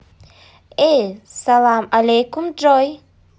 эй салам алейкум джой